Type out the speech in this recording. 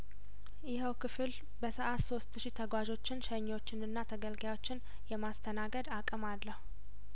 ይኸው ክፍል በሰአት ሶስት ሺ ተጓዦችን ሸኚዎችንና ተገልጋዮችን የማስተናገድ አቅም አለው